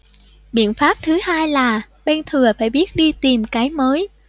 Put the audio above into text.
biện pháp thứ hai là bên thừa phải biết đi tìm cái mới